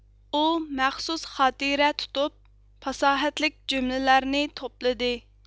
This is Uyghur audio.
ئۇ مەخسۇس خاتىرە تۇتۇپ پاساھەتلىك جۈملىلەرنى توپلىدى